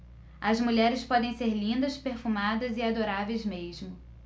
as mulheres podem ser lindas perfumadas e adoráveis mesmo